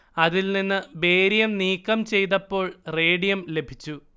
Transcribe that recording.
അതിൽ നിന്ന് ബേരിയം നീക്കം ചെയ്തപ്പോൾ റേഡിയം ലഭിച്ചു